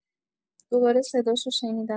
دوباره صداشو شنیدم.